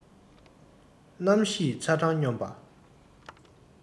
གནམ གཤིས ཚ གྲང སྙོམས པ